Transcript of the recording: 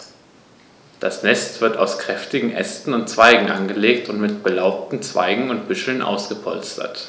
Das Nest wird aus kräftigen Ästen und Zweigen angelegt und mit belaubten Zweigen und Büscheln ausgepolstert.